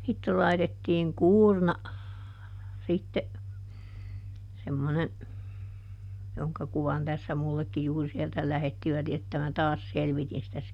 sitten laitettiin kuurna sitten semmoinen jonka kuvan tässä minullekin juuri sieltä lähettivät että minä taas selvitin sitä -